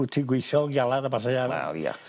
wt ti'n gweithio galad a ballu a...Wel ie.